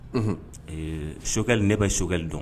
Un sokɛ ne bɛ sokɛli dɔn